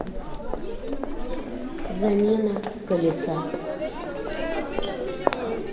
замена колеса